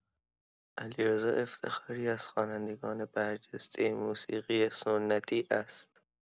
علیرضا افتخاری از خوانندگان برجسته موسیقی سنتی است.